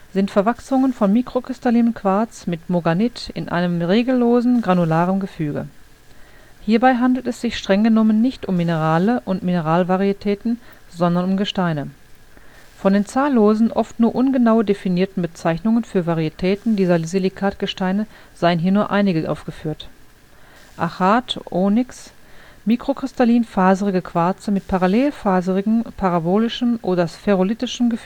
sind Verwachsungen von mikrokristallinem Quarz mit Moganit in einem regellosem, granularem Gefüge. Hierbei handelt es sich strenggenommen nicht um Minerale und Mineralvarietäten, sondern um Gesteine. Von den zahllosen, oft nur ungenau definierten Bezeichnungen für Varietäten dieser Silikatgesteine seien hier nur einige aufgeführt: Achat, Onyx: mikrokristallin faserige Quarze mit parallelfaserigem (parabolischem) oder sphärolithischem